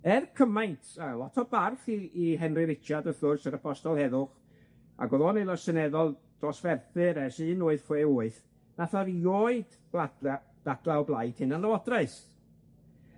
Er cymaint, yy lot o barch i i Henry Richard wrth gwrs yr Apostol Heddwch ac o'dd o'n aelod seneddol dros Ferthyr ers un wyth chwe wyth, wnath a erioed gwladla- dadla o blaid hunanlywodraeth.